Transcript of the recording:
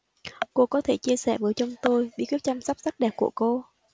cô có thể chia sẻ với chúng tôi bí quyết chăm sóc sắc đẹp của cô